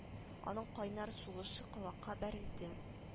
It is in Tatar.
Аның кайнар сулышы колакка бәрелде